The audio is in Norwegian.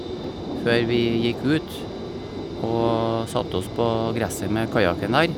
Før vi gikk ut og satt oss på gresset med kajaken der.